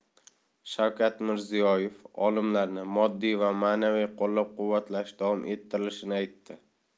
shavkat mirziyoyev olimlarni moddiy va ma'naviy qo'llab quvvatlash davom ettirilishini aytdi